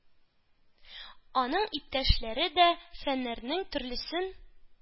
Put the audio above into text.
Анын иптәшләре дә фәннәрнең, төрлесен,